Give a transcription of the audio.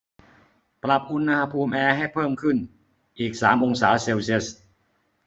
ปรับอุณหภูมิแอร์ให้เพิ่มขึ้นอีกสามองศาเซลเซียส